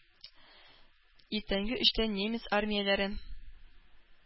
Иртәнге өчтә немец армияләре